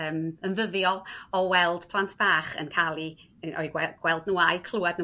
yym yn ddyddiol o weld plant bach yn ca'l i o'i gweld n'w a'u clwad n'w'n